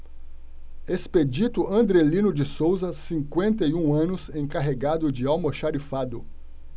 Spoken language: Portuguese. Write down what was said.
expedito andrelino de souza cinquenta e um anos encarregado de almoxarifado